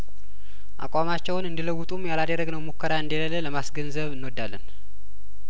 አቋማቸውን እንዲ ለውጡም ያላደረግ ነው ሙከራ እንደሌለ ለማስገንዘብ እንወዳለን